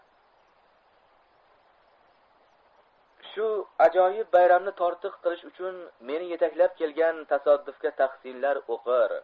shu ajib bayramni tortiq qilish uchun meni yetaklab kelgan tasodifga tahsinlar o'qir